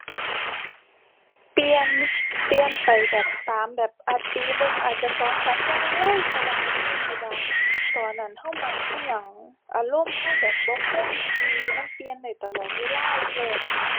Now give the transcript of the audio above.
เปลี่ยน เปลี่ยนไปแบบ ตามแบบ อาจปีหนึ่ง อาจจะสองสามอย่างเลย เพราะว่าอยู่ที่ว่าตอนนั้นเรามักอิหยัง อารมณ์เราแบบบ่คงที่ มันเปลี่ยนได้ตลอดเวลาอยู่แล้ว